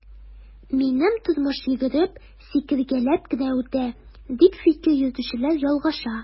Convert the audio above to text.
Минем тормыш йөгереп, сикергәләп кенә үтә, дип фикер йөртүчеләр ялгыша.